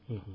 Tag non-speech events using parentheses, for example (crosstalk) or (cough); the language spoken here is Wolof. (hesitation) (hesitation)